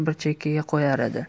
bir chekkaga qo'yar edi